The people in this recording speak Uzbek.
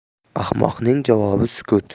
ahmoqning javobi sukut